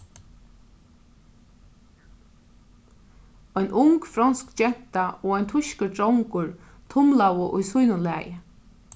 ein ung fronsk genta og ein týskur drongur tumlaðu í sínum lagi